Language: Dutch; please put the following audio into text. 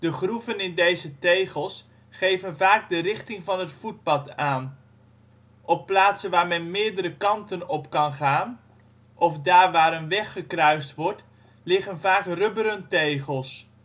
groeven in deze tegels geven vaak de richting van het voetpad aan. Op plaatsen waar men meerdere kanten op kan gaan of daar waar er een weg gekruist wordt, liggen vaak rubberen tegels